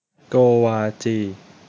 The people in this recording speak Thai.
โกวาจี